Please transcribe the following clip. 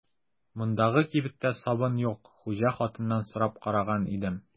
Мондагы кибеттә сабын юк, хуҗа хатыннан сорап караган идем.